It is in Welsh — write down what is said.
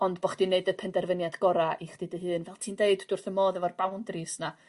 ond bo' chdi'n neud y penderfyniad gora' i chdi dy hun fel ti'n deud dwi wrth fy modd efo'r boundaries 'na.